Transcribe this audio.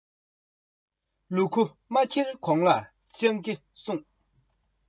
དེ འདྲའི མི ལ སྙིང རྗེ ལྟ དགོས མེད